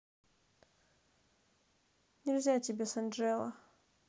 нельзя тебе с анджела